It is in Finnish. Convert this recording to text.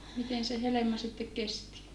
miten se helma sitten kesti